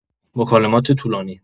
مکالمات طولانی